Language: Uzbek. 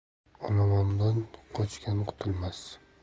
olomondan qochgan qutulmas